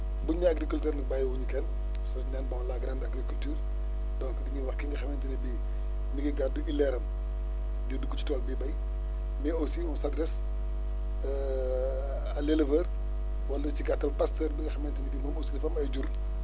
bu ñu nee agriculteur nag bàyyi wu ñu kenn parce que dañu naan bon la grande agriculture donc li ñuy wax ki nga xamante ne bii mi ngi gàddu ileeram di dugg ci tool biy béy mais aussi on s' intéresse à l' éleveur wala ci gàttal pasteur bi nga xamante ni bi moom aussi dafa am ay jur